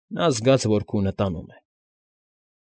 Նա զգաց, որ քունը տանում է։